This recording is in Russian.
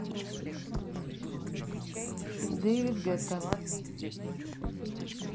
дэвид гетта